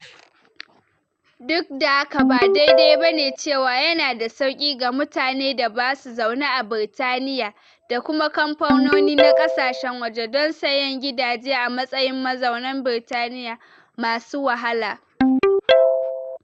Duk da haka, ba daidai ba ne cewa yana da sauƙi ga mutanen da ba su zaune a Birtaniya, da kuma kamfanoni na kasashen waje, don sayen gidaje a matsayin mazaunan Birtaniya masu wahala.